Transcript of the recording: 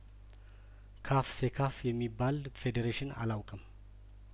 ካፍሴ ካፍ የሚባል ፌዴሬሽን አላውቅም